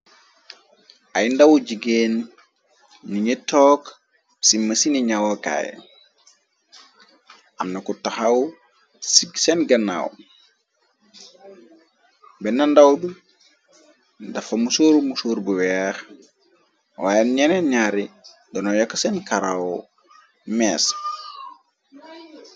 Ay ndawu jigeen ni ñu toog si mësini ñawookaay, amna ku taxaw ci seen gannaaw, benn ndàw bi dafa musóoru musóor bu weex, waaye ñenee ñaari dono yokk seen karaw mees.